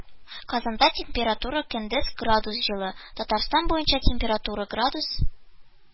Казанда температура көндез градус җылы, Татарстан буенча - температура градус